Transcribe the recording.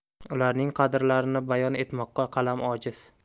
ularning dardlarini bayon etmoqqa qalam ojiz